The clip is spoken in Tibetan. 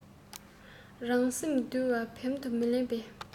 རང སེམས འདུལ བ འབེམ དུ མི ལེན པའི